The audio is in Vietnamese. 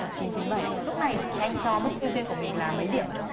một chín chín bảy ạ lúc này thì anh cho mức ưu tiên của mình là mấy điểm ạ